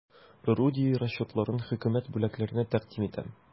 Орудие расчетларын хөкүмәт бүләкләренә тәкъдим итәм.